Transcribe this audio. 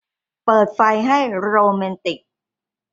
เปิดไฟให้โรแมนติก